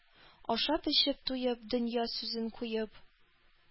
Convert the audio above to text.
Ашап-эчеп туеп, дөнья сүзен куеп,